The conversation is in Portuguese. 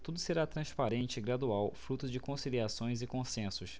tudo será transparente e gradual fruto de conciliações e consensos